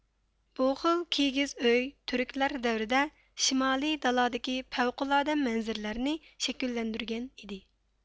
بۇ خىل كېگىز ئۆي تۈركلەر دەۋرىدە شىمالىي دالادىكى پەۋقۇلئاددە مەنزىرىلەرنى شەكىللەندۈرگەن ئىدى